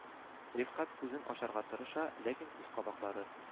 Рифкать күзен ачарга тырыша, ләкин күз кабаклары